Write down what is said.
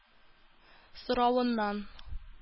Соравыннан